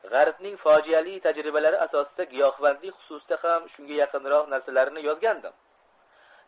g'arbning fojiali tajribalari asosida giyohvandlik xususida ham shunga yaqinroq narsalarni yozgandim